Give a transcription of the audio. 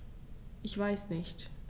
Ich weiß nicht.